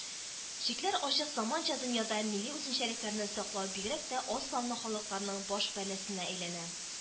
Чикләр ачык заманча дөньяда милли үзенчәлекләрне саклау бигрәк тә аз санлы халыкларның баш бәласенә әйләнә